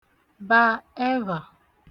ba ẹvha